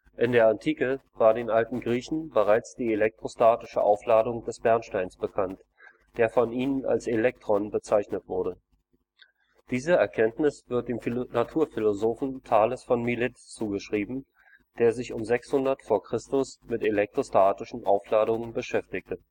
In der Antike war den alten Griechen bereits die elektrostatische Aufladung des Bernsteins bekannt, der von ihnen als elektron bezeichnet wurde. Diese Erkenntnis wird dem Naturphilosophen Thales von Milet zugeschrieben, der sich um 600 v. Chr. mit elektrostatischen Aufladungen beschäftigte